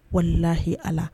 Walahi ala